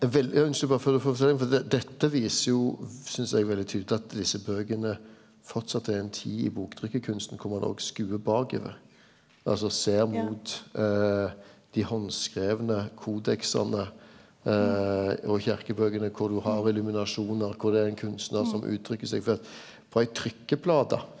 je eg ønskjer berre for dette viser jo synst eg veldig tydeleg at desse bøkene framleis er ein tid i boktrykkarkunsten kor ein òg skodar bakover altså ser mot dei handskrive kodeksane og kyrkjebøkene kor du har illuminasjonar kor det er ein kunstnar som uttrykker seg for på ei trykkeplate.